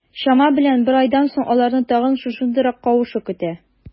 Чама белән бер айдан соң, аларны тагын шушындыйрак кавышу көтә.